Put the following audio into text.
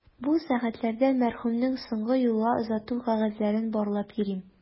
Бу сәгатьләрдә мәрхүмнең соңгы юлга озату кәгазьләрен барлап йөрим.